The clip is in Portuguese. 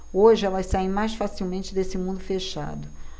hoje elas saem mais facilmente desse mundo fechado